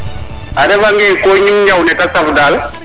a refa nge ye ko ñim njaw ne te saf dal